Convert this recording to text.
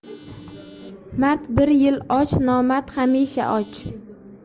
mard bir yil och nomard hamisha och